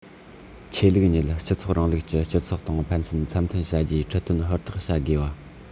ཆོས ལུགས ཉིད སྤྱི ཚོགས རིང ལུགས ཀྱི སྤྱི ཚོགས དང ཕན ཚུན འཚམ ཐབས བྱ རྒྱུའི ཁྲིད སྟོན ཧུར ཐག བྱ དགོས བ